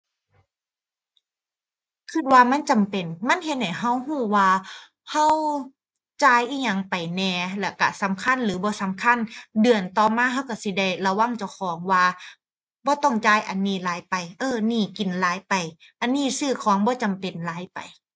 คิดว่ามันจำเป็น มันเฮ็ดให้คิดคิดว่าคิดจ่ายอิหยังไปแหน่ แล้วคิดสำคัญหรือบ่สำคัญ เดือนต่อมาคิดคิดสิได้ระวังเจ้าของว่าบ่ต้องจ่ายอันนี้หลายไป เออ นี่กินหลายไป อันนี้ซื้อของบ่จำเป็นหลายไป